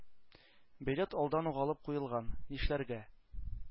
Билет алдан ук алып куелган. Нишләргә?